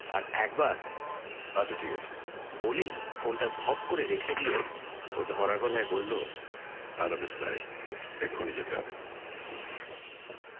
আর একবার আচ্ছা ঠিক আছে বলেই ফোনটা ধপ করে রেখে দিয়ে ও ধরাগলায় বলল আনুবিস গায়েব এক্ষুনি যেতে হবে